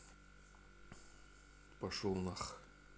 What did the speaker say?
пошел нах